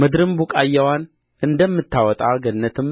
ምድርም ቡቃያዋን እንደምታወጣ ገነትም